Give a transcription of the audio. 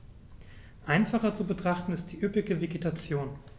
Einfacher zu betrachten ist die üppige Vegetation.